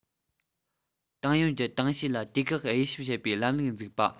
ཏང ཡོན གྱི ཏང གཤིས ལ དུས བཀག དབྱེ ཞིབ བྱེད པའི ལམ ལུགས འཛུགས པ